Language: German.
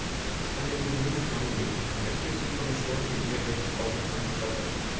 Ich kann mit diesen Mindestnormen leben, aber ich bitte die Kommission, die Dinge wirklich aufmerksam zu verfolgen.